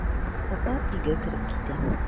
Апа өйгә кереп китә.